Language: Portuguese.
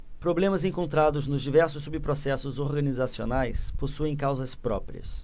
problemas encontrados nos diversos subprocessos organizacionais possuem causas próprias